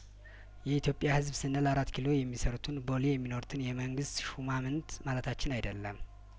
የኢትዮጵያ ህዝብ ስንል አራት ኪሎ የሚሰሩትን ቦሌ የሚኖሩትን የመንግስት ሹማምንት ማለታችን አይደለም